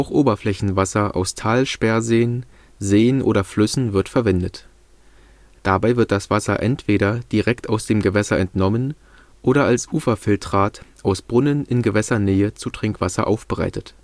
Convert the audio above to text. Oberflächenwasser aus Talsperrseen, Seen oder Flüssen wird verwendet. Dabei wird das Wasser entweder direkt aus dem Gewässer entnommen oder als Uferfiltrat aus Brunnen in Gewässernähe zu Trinkwasser aufbereitet